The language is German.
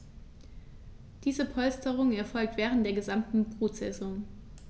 Diese Polsterung erfolgt während der gesamten Brutsaison.